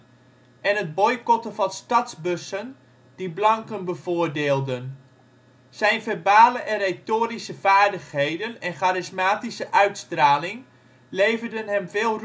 en het boycotten van stadsbussen die blanken bevoordeelden. Zijn verbale en retorische vaardigheden en charismatische uitstraling leverden hem veel